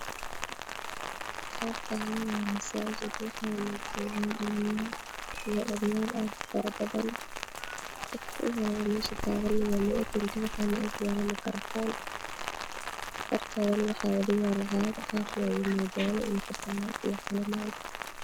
Halkaan masaajid dhalinyaro odayaal hortooda wax yaalo maakrafoon caagag caafi kitaabo qaliman